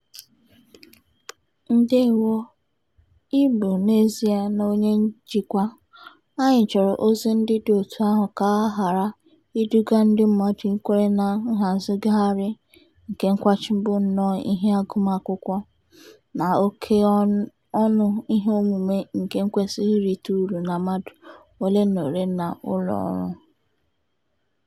ndeewo, ị bụ n'ezie na onye njikwa, anyị chọrọ ozi ndị dị otú ahụ ka a ghara iduga ndị mmadụ ikwere na nhazigharị nke Kwacha bụ nnọọ ihe agụmakwụkwọ & oké ọnụ iheomume nke kwesịrị irite uru na mmadụ ole na ole na ụlọọrụ.